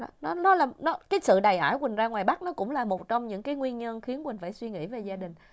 nó nó là cái sự đày ải quỳnh ra ngoài bắc nó cũng là một trong những cái nguyên nhân khiến quỳnh phải suy nghĩ về gia đình